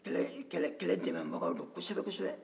kɛlɛ dɛmɛbagaw don kosɛbɛ kosɛbɛ